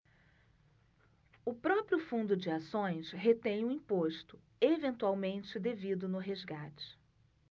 o próprio fundo de ações retém o imposto eventualmente devido no resgate